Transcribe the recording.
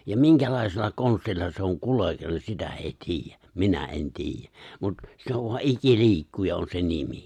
ja minkälaisella konstilla se on kuljetettu sitä ei tiedä minä en tiedä mutta se on vaan ikiliikkuja on se nimi